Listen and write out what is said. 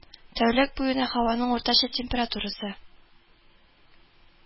Тәүлек буена һаваның уртача температурасы